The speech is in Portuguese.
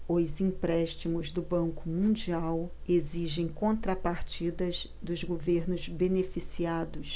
os empréstimos do banco mundial exigem contrapartidas dos governos beneficiados